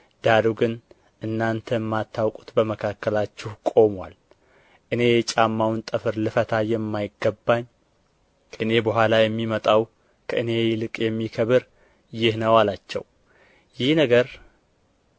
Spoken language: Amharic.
ዳሩ ግን እናንተ የማታውቁት በመካከላችሁ ቆሞአል እኔ የጫማውን ጠፍር ልፈታ የማይገባኝ ከእኔ በኋላ የሚመጣው ከእኔ ይልቅ የሚከብር ይህ ነው አላቸው ይህ ነገር